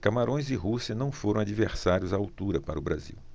camarões e rússia não foram adversários à altura para o brasil